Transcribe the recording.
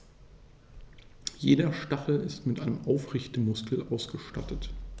Jeder Stachel ist mit einem Aufrichtemuskel ausgestattet.